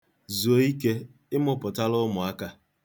Zuo ike, ị mụpụtala ụmụaka.